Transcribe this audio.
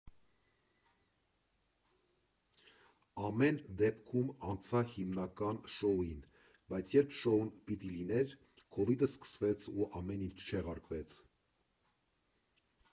Ամեն դեպքում, անցա հիմնական շոուին, բայց երբ շոուն պիտի լիներ, քովիդը սկսվեց ու ամեն ինչ չեղարկվեց։